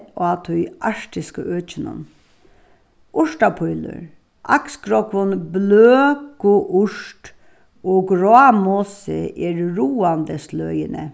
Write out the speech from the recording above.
á tí arktiska økinum urtapílur aksgrógvin bløðkuurt og grámosi eru ráðandi sløgini